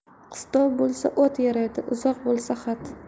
qistov bo'lsa ot yaraydi uzoq bo'lsa xat